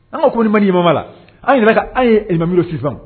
An ka ko ni ma mamama la an yɛrɛ ka' ye elimab fifan